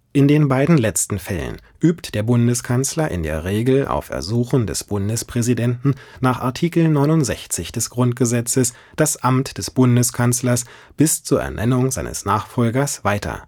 In den beiden letzten Fällen übt der Bundeskanzler in der Regel auf Ersuchen des Bundespräsidenten nach Artikel 69 des Grundgesetzes das Amt des Bundeskanzlers bis zur Ernennung seines Nachfolgers weiter